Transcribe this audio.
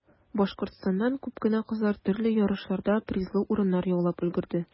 Башкортстаннан күп кенә кызлар төрле ярышларда призлы урыннар яулап өлгерде.